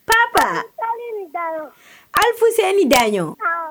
Papa,,AIlfuseni Daɲon , AIlfuseni Daɲɔn,.Aawɔ.